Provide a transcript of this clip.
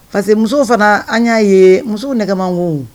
Parceque musow fana an ya ye musow nɛkin ma gon do.